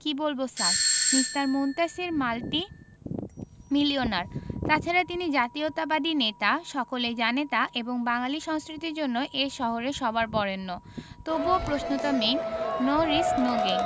কি বলব sir Mr Muntasir multimillionaire তাছাড়া তিনি জাতীয়তাবাদী নেতা সকলেই জানে তা এবং বাঙালী সংস্কৃতির জন্য এ শহরে সবার বরেণ্য তবুও প্রশ্নটা main no risk no gain